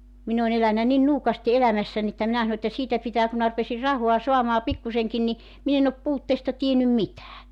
minä olen elänyt niin nuukasti elämässäni että minä sanon että siitä pitää kun minä rupesin rahaa saamaan pikkuisenkin niin minä en ole puutteesta tiennyt mitään